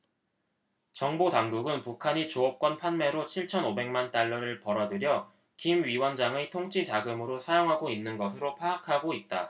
정보당국은 북한이 조업권 판매로 칠천 오백 만 달러를 벌어들여 김 위원장의 통치자금으로 사용하고 있는 것으로 파악하고 있다